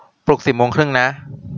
ปลุกสิบโมงครึ่งนะ